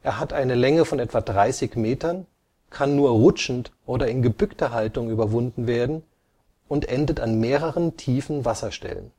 hat eine Länge von etwa 30 Metern, kann nur rutschend oder in gebückter Haltung überwunden werden, und endet an mehreren tiefen Wasserstellen